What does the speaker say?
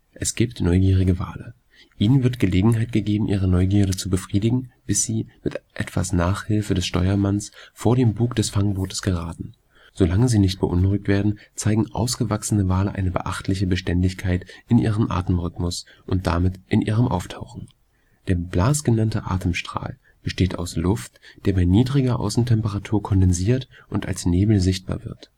Es gibt neugierige Wale. Ihnen wird Gelegenheit gegeben, ihre Neugierde zu befriedigen, bis sie, mit etwas Nachhilfe des Steuermanns, vor den Bug des Fangbootes geraten. Solange sie nicht beunruhigt werden, zeigen ausgewachsene Wale eine beachtliche Beständigkeit in ihrem Atemrhythmus und damit in ihrem Auftauchen. Der „ Blas “genannte Atemstrahl besteht aus Luft, die bei niedriger Außentemperatur kondensiert – und als Nebel sichtbar wird